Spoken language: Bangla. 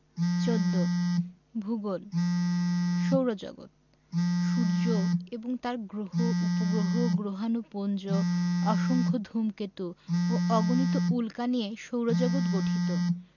১৪ ভূগোল সৌরজগৎ সূর্য এবং তার গ্রহ উপগ্রহ গ্রহাণুপুঞ্জ অসংখ্য ধুমকেতু ও অগণিত উল্কা নিয়ে সৌরজগৎ গঠিত